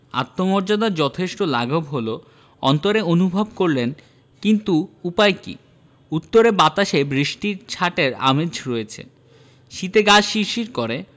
আত্মমর্যাদার যথেষ্ট লাঘব হলো অন্তরে অনুভব করলেন কিন্তু উপায় কি উত্তরে বাতাসে বৃষ্টির ছাঁটের আমেজ রয়েছে শীতে গা শিরশির করে